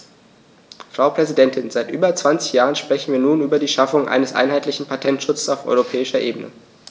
Frau Präsidentin, seit über 20 Jahren sprechen wir nun über die Schaffung eines einheitlichen Patentschutzes auf europäischer Ebene.